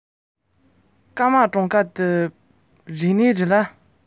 དགེ རྒན མིག ཤེལ ཅན རྣམས ཀྱིས